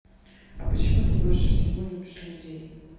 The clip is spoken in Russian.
а почему ты больше всего любишь людей